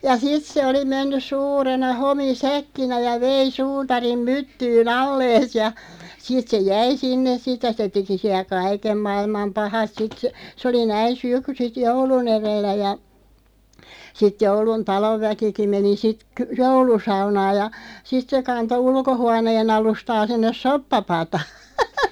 ja sitten se oli mennyt suurena homisäkkinä ja vei suutarin myttyyn allensa ja sitten se jäi sinne sitten ja se teki siellä kaiken maailman pahat sitten se se oli näin - sitten joulun edellä ja sitten jouluna talonväkikin meni sitten - joulusaunaan ja sitten se kantoi ulkohuoneen alustaa sinne soppapataan